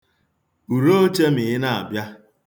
Buru oche ma ị na-abịa.